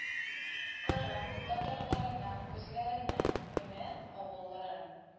Кырым татарларына үзләренә генә авылларын